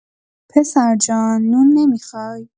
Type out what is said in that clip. پسرجان، نون نمی‌خوای؟